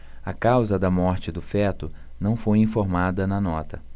a causa da morte do feto não foi informada na nota